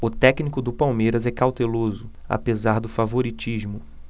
o técnico do palmeiras é cauteloso apesar do favoritismo